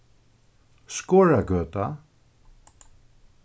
skoragøta